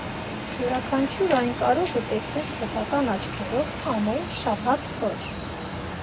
Յուրաքանչյուրը այն կարող է տեսնել սեփական աչքերով ամեն շաբաթ օր։